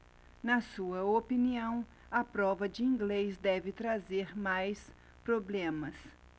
na sua opinião a prova de inglês deve trazer mais problemas